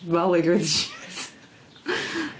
Falu loads o shit